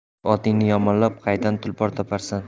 o'z otingni yomonlab qaydan tulpor toparsan